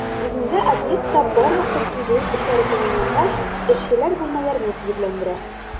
Бүгенгә объектта барлык төп төзелеш эшләре тәмамланган, эшчеләр бүлмәләрне төзекләндерә.